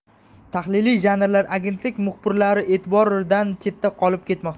tahliliy janrlar agentlik muxbirlari e'tibor idan chetda qolib ketmoqda